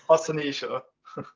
Os ni isio !